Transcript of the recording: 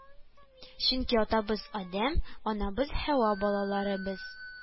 Чөнки атабыз Адәм, анабыз Һәва балалары без